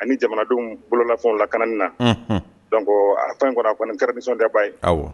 ani jamanadenw bololafɛn laki na a fɛn kɛra nisɔn tɛba ye